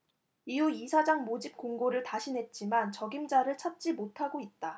이후 이사장 모집 공고를 다시 냈지만 적임자를 찾지 못하고 있다